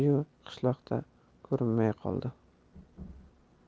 yu qishloqda ko'rinmay qoldi